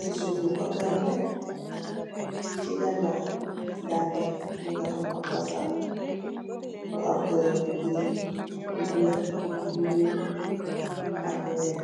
Chi suuf nung ko karolè. Chi ganaaw daal yi mungi am ab basang bi am kuloor bu green, bu bulo, bu ñuul ak bu weeh.